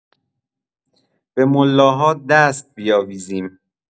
به ملاها دست بیاویزیم؟